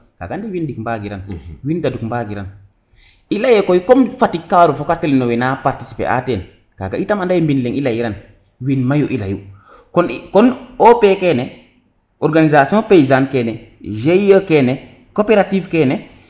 kaga ande wiin ndik mbagiran wiin daduk mbagiran i leye koy comme Fatick ka waro fokatel nowe na participer a ten kaga itam mbin leng i leyiran wiin mayu i leyu kon OP kene organisation paysan kene GIE kene cooperative kene